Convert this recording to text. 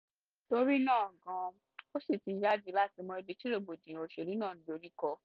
Torí náà gan, ó sì ti yá jù láti mọ ibi tí rògbòdìyàn òṣèlú náà ń dorí kọ.